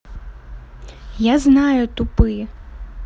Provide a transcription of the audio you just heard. я знаю тупые